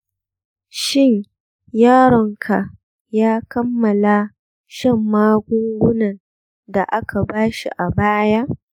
shin yaronka ya kammala shan magungunan da aka bashi a baya?